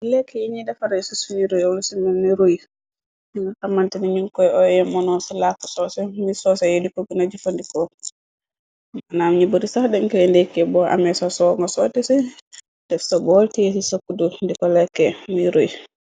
Lekke yi ñi defarasu suñu rolu cina ni ruy ñu nga xamante ni ñu koy ooe mono ci làkqa soose mi soose yi diko gina jëfandikoo mënaam ñu bari sax denkaye ndekke boo amee sasoo nga sooti ci te sa bool tee ci sa kuddu diko lekkee muy ruy.